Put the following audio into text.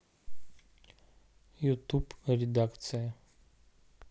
ютуб редакция